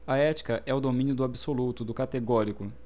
a ética é o domínio do absoluto do categórico